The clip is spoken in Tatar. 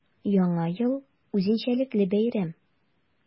Яңа ел – үзенчәлекле бәйрәм.